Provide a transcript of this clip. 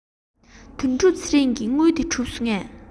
དོན གྲུབ ཚེ རིང གི དངུལ དེ བྱུང སོང ངས